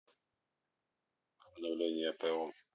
обновление по